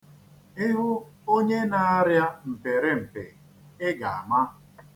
Ịhụ onye na-arịa mpịrịmpị, ị ga-ama.